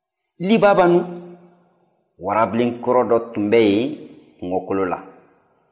libaabanun warabilenkɔrɔ dɔ tun bɛ yen kungo kɔnɔ la